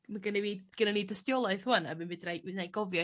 Ma' gennyf fi gennon ni dystiolaeth 'wan am mi medrai. mi wnâi gofio...